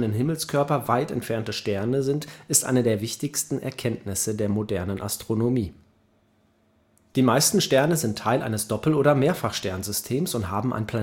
Himmelskörper weit entfernte Sterne sind, ist eine der wichtigsten Erkenntnisse der modernen Astronomie. Die meisten Sterne sind Teil eines Doppel - oder Mehrfachsternsystems und/oder haben ein Planetensystem